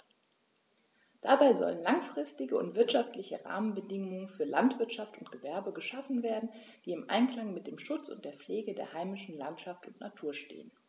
Dabei sollen langfristige und wirtschaftliche Rahmenbedingungen für Landwirtschaft und Gewerbe geschaffen werden, die im Einklang mit dem Schutz und der Pflege der heimischen Landschaft und Natur stehen.